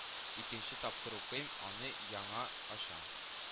Икенче тапкыр укыйм, аны яңа ачам